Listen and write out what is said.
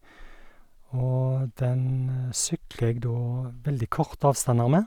Og den sykler jeg da veldig korte avstander med.